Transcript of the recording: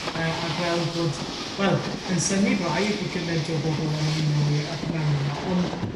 yy a gweld bod, we, yn synnu braidd bod gyment o bobol yn ymuno â ni y prynawn yma ond